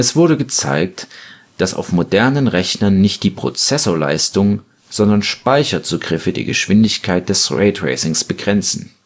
wurde gezeigt, dass auf modernen Rechnern nicht die Prozessorleistung, sondern Speicherzugriffe die Geschwindigkeit des Raytracings begrenzen